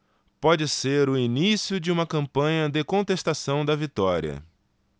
pode ser o início de uma campanha de contestação da vitória